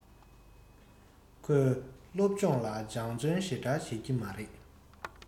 ཁོས སློབ སྦྱོང ལ སྦྱང བརྩོན ཞེ དྲགས བྱེད ཀྱི མ རེད